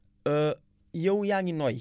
yow yaa ngi noyyi